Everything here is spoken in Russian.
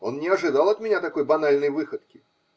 Он не ожидал от меня такой банальной выходки.